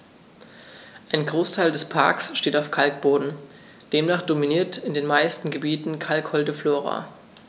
Ein Großteil des Parks steht auf Kalkboden, demnach dominiert in den meisten Gebieten kalkholde Flora.